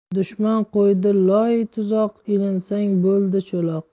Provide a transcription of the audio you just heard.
dushman qo'ydi loy tuzoq ilinsang bo'lding cho'loq